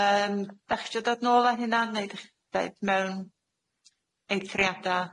Yym dach chi isio dod nôl â hynna neud ych deud mewn eithriada?